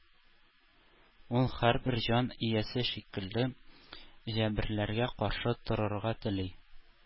Ул, һәрбер җан иясе шикелле, җәберләргә каршы торырга тели.